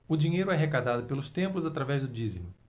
o dinheiro é arrecadado pelos templos através do dízimo